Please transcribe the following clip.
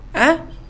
A